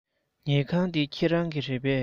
ཉལ ཁང འདི ཁྱེད རང གི རེད པས